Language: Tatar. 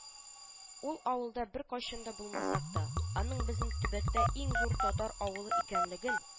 Ул авылда беркайчан да булмасак та, аның безнең төбәктә иң зур татар авылы икәнлеген